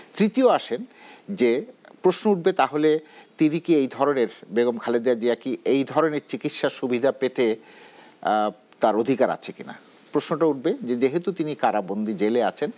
তৃতীয় আসেন যে প্রশ্ন উঠবে তাহলে তিনি কি এই ধরনের বেগম খালেদা জিয়া কি এই ধরনের চিকিৎসা সুবিধা পেতে তার অধিকার আছে কিনা প্রশ্নটা উঠবে যেহেতু তিনি কারাবন্দী জেলে আছেন